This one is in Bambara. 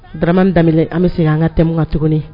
Da daminɛ an bɛ sigi an ka tɛmɛ ka tuguni